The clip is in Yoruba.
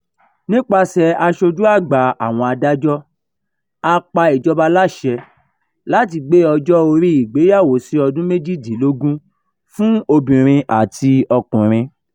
Nípasẹ̀ aṣojú àgbà àwọn adájọ́, a pa ìjọba láṣẹ láti gbé ọjọ́ orí ìgbéyàwó sí ọdún méjìdínlógún fún obìnrin àti ọkùnrin.